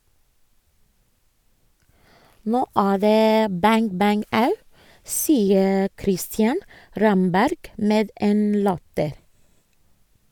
Nå er det "bang-bang-au!", sier Christian Ramberg med en latter.